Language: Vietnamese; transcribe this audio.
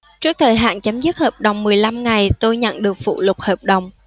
trước thời hạn chấm dứt hợp đồng mười lăm ngày tôi nhận được phụ lục hợp đồng